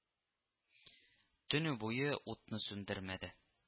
— төне буе утны сүндермәде